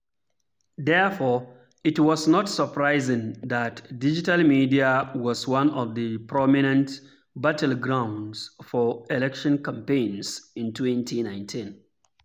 Therefore, it was not surprising that digital media was one of the prominent battlegrounds for election campaigns in 2019.